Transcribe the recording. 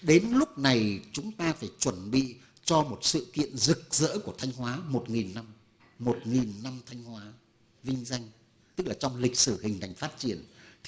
đến lúc này chúng ta phải chuẩn bị cho một sự kiện rực rỡ của thanh hóa một nghìn năm một nghìn năm thanh hóa vinh danh tức là trong lịch sử hình thành phát triển thì